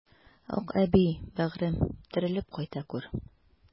Акъәби, бәгырем, терелеп кайта күр!